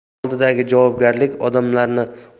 tarix oldidagi javobgarlik odamlarni